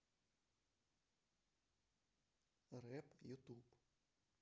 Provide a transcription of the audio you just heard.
рэп ютуб